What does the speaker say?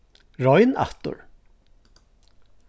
royn aftur